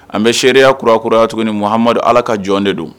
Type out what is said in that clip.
An bɛ seereyakurakuraya tuguni ni mahamadu ala ka jɔn de don